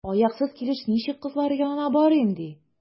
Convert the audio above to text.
Аяксыз килеш ничек кызлар янына барыйм, ди?